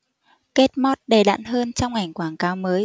kate moss đầy đặn hơn trong ảnh quảng cáo mới